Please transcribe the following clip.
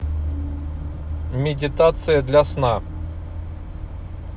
медитация для сна